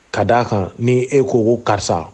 Ka d aa kan ni' e ko ko karisa